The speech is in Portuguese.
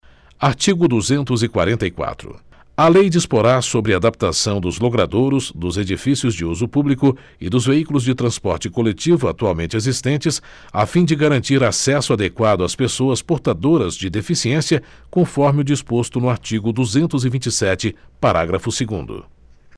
artigo duzentos e quarenta e quatro a lei disporá sobre a adaptação dos logradouros dos edifícios de uso público e dos veículos de transporte coletivo atualmente existentes a fim de garantir acesso adequado às pessoas portadoras de deficiência conforme o disposto no artigo duzentos e vinte e sete parágrafo segundo